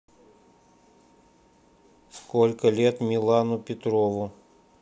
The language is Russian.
сколько лет милану петрову